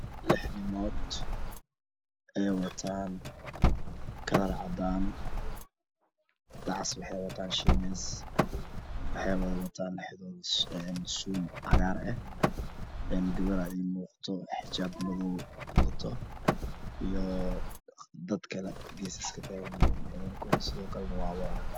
6ninmood ay wataan kalar cadaan dacas waxay wataan shiinays waxay wada wataan 6dooduba suun cagaar eh een gabaraa ii muuqato xijaabo madow ah wadato iyoo dad kale oo geesaska ka taagan yihiin oo sidoo kale wada dhar cadaan